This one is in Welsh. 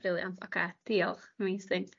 Brilliant oce diolch amazing.